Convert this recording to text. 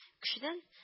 Кешедән